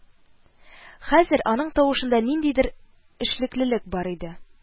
Хәзер аның тавышында ниндидер эшлеклелек бар иде